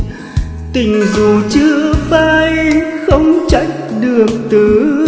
tình dù chưa phai không trách được từ ly